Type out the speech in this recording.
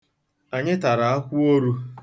Anyị tara akwụoru.